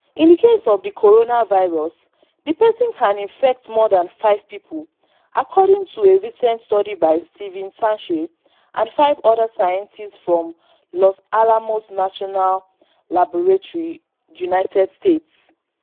In the case of the coronavirus, one person can infect more than five people, according to a recent study by Steven Sanche and five other scientists from Los Alamos National Laboratory, United States.